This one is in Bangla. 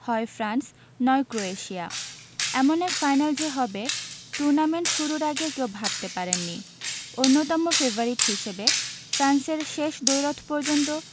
হয় ফ্রান্স নয় ক্রোয়েশিয়া এমন এক ফাইনাল যে হবে টুর্নামেন্ট শুরুর আগে কেউ ভাবতে পারেননি অন্যতম ফেভারিট হিসেবে ফ্রান্সের শেষ দ্বৈরথ পর্যন্ত